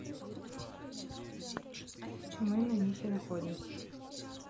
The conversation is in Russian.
мы на них и находимся